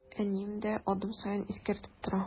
Әнием дә адым саен искәртеп тора.